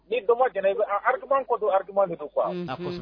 Ni dɔn d i bɛ araki kɔ don hati de qu